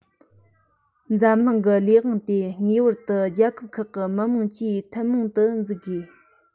འཛམ གླིང གི ལས དབང དེ ངེས པར དུ རྒྱལ ཁབ ཁག གི མི དམངས ཀྱིས ཐུན མོང དུ འཛིན དགོས